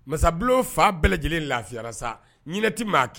Masabila fa bɛɛ lajɛlen lafiyayara sa ɲti maa kɛ